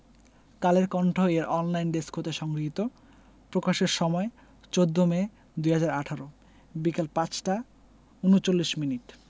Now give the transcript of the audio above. কালের কণ্ঠ এর অনলাইনে ডেস্ক হতে সংগৃহীত প্রকাশের সময় ১৪মে ২০১৮ বিকেল ৫টা ৩৯ মিনিট